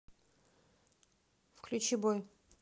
включи бой